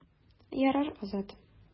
Ярар, Азат.